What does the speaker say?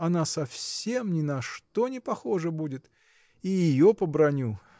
она совсем ни на что не похожа будет!. – и ее побраню.